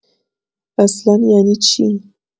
اصلا ینی چی